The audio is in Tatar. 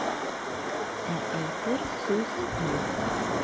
Ә әйтер сүз юк.